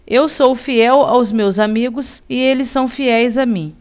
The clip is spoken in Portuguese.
eu sou fiel aos meus amigos e eles são fiéis a mim